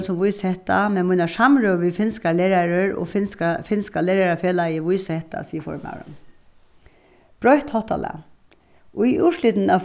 sum vísa hetta men mínar samrøður við finskar lærarar og finska finska lærarafelagið vísa hetta sigur formaðurin broytt háttalag í úrslitinum av